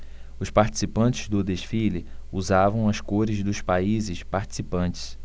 os participantes do desfile usavam as cores dos países participantes